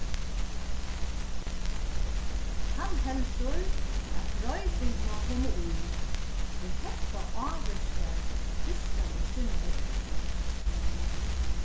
hann heldur at broyting má koma í tí hetta ávirkar fiskavirkið nógv